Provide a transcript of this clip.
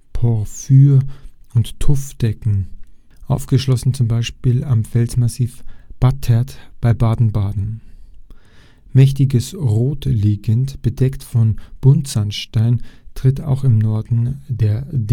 Quarzporphyr - und Tuffdecken (aufgeschlossen zum Beispiel am Felsmassiv Battert bei Baden-Baden). Mächtiges Rotliegend, bedeckt von Buntsandstein, tritt auch im Norden der